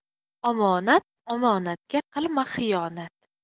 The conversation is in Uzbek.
omonat omonatga qilma xiyonat